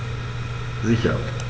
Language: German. Sicher.